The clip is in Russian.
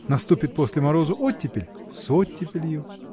наступит после морозу оттепель – с оттепелью .